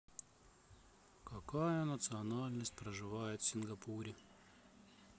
какая национальность проживает в сингапуре